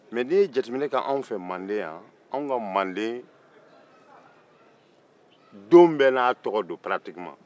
mɛ n'i ye jateminɛ kɛ anw fɛ yan manden yan anw ka manden don bɛɛ n'a tɔgɔ don paratikeman